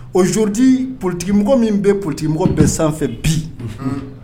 O joodi politigimɔgɔ min bɛ politigimɔgɔ bɛɛ sanfɛ bi